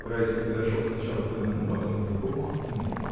Райский подошел сначала к одному, потом к другому окну.